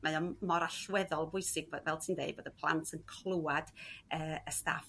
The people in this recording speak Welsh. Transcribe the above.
mae o mor allweddol bwysig fel ti'n d'eud bod y plant yn cl'wad ee y staff